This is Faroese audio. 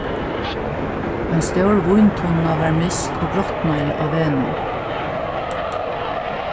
ein stór víntunna varð mist og brotnaði á vegnum